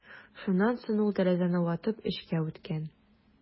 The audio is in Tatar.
Шуннан соң ул тәрәзәне ватып эчкә үткән.